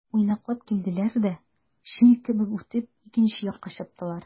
Уйнаклап килделәр дә, җил кебек үтеп, икенче якка чаптылар.